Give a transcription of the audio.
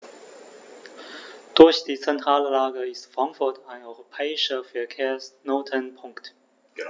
Durch die zentrale Lage ist Frankfurt ein europäischer Verkehrsknotenpunkt.